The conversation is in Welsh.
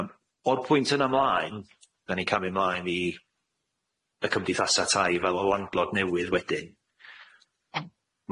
Yym o'r pwynt yna mlaen da ni camu' mlaen i y cymdeithasa tai fel y wandlod newydd wedyn,